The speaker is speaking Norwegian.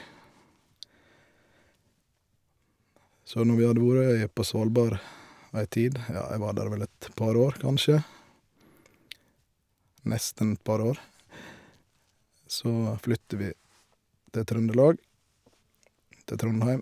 Så når vi hadde vore i på Svalbard ei tid, ja, jeg var der vel et par år, kanskje, nesten et par år, så flytta vi til Trøndelag, til Trondheim.